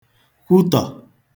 kwuhiè